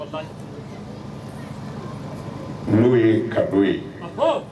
No ye cadeau ye